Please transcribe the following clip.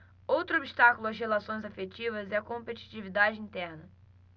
outro obstáculo às relações afetivas é a competitividade interna